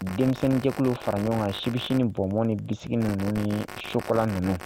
Denmisɛnninkulu fara ɲɔgɔn kan Chips ni Bonbon ni Biscuit ninnu ni Chocolat ninnu